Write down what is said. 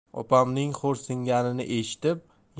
opamning xo'rsinganini eshitib